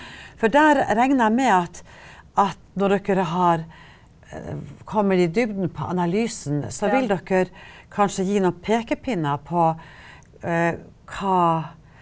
for der regner jeg med at at når dere har kommet i dybden på analysen, så vil dere kanskje gi noen pekepinner på hva.